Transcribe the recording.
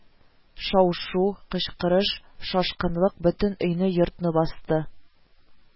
Шау-шу, кычкырыш, шашкынлык бөтен өйне, йортны басты